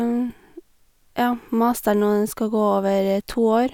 Ja, masteren nå, den skal gå over to år.